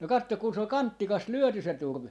no katso kun se oli kantikas lyöty se turve